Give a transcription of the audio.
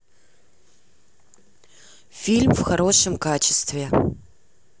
фильмы в хорошем качестве